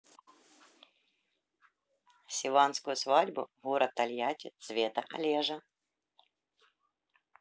севанскую свадьбу город тольятти цвета олежа